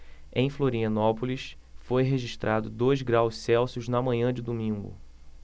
em florianópolis foi registrado dois graus celsius na manhã de domingo